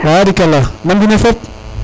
barikala nam mbine fop